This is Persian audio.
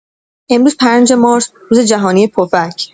امروز ۵ مارس روز جهانی پفک!